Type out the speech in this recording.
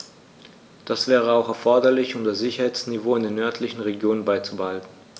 Das wäre auch erforderlich, um das Sicherheitsniveau in den nördlichen Regionen beizubehalten.